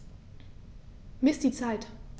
Miss die Zeit.